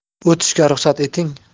o'tishga ruxsat eting